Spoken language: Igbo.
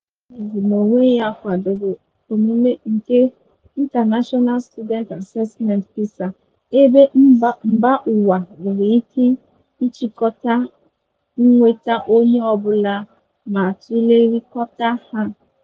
OECD n'onwe ya kwadoro emume nke International Student Assessment (PISA) ebe mbaụwa nwere ike ịchịkọta mnweta onye ọbụla ma tụlerikota ha.